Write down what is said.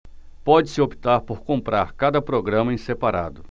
pode-se optar por comprar cada programa em separado